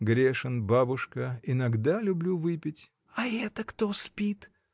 — Грешен, бабушка, иногда люблю выпить. — А это кто спит?